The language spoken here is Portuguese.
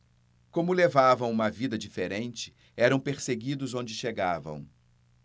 como levavam uma vida diferente eram perseguidos onde chegavam